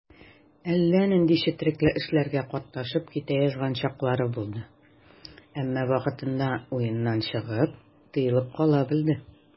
Әллә нинди четрекле эшләргә катнашып китә язган чаклары булды, әмма вакытында уеннан чыгып, тыелып кала белде.